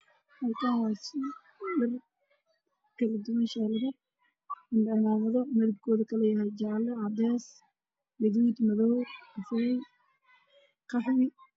Meeshan waxaa yaalo dhar isugu jira cimaamado iyo macowsiyo